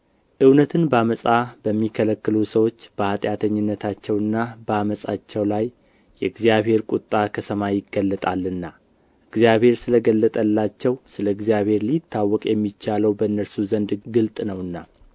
እውነትን በዓመፃ በሚከለክሉ ሰዎች በኃጢአተኝነታቸውና በዓመፃቸው ሁሉ ላይ የእግዚአብሔር ቍጣ ከሰማይ ይገለጣልና እግዚአብሔር ስለ ገለጠላቸው ስለ እግዚአብሔር ሊታወቅ የሚቻለው በእነርሱ ዘንድ ግልጥ ነውና